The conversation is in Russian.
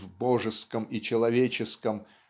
в "Божеском и человеческом"